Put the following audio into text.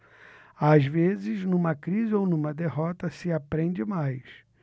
às vezes numa crise ou numa derrota se aprende mais